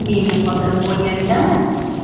mening xotinim bo'lganingdami